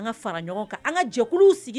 Fara ɲɔgɔn kan ka jɛkulu